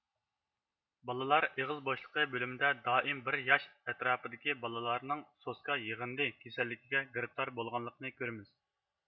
بالىلار ئېغىز بوشلۇقى بۆلۈمىدە دائىم بىر ياش ئەتراپىدىكى بالىلارنىڭ سوسكا يىغىندى كېسەللىكىگە گىرىپتار بولغانلىقىنى كۆرىمىز